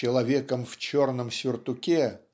"человеком в черном сюртуке"